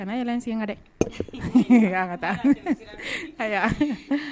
A yɛlɛ sen dɛ ka taa